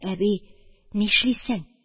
Әби, нишлисең